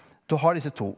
du har disse to.